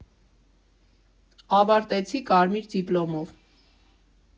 Ավարտեցի կարմիր դիպլոմով։